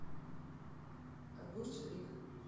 огурчик рик